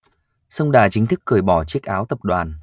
sông đà chính thức cởi bỏ chiếc áo tập đoàn